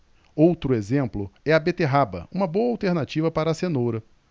outro exemplo é a beterraba uma boa alternativa para a cenoura